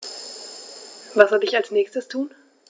Was soll ich als Nächstes tun?